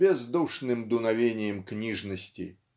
бездушным дуновением книжности.